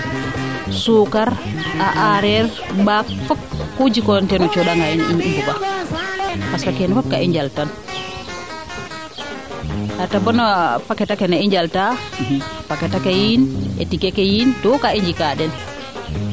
suukar a areer ɓaak fop ku jikoona teen o caxa nga in i mbuga parce que keene fop kaa i njal tan a reta bono kayta kene i njaltaa packette akee yiin etiqué kee yiin tout kaa i njikaa den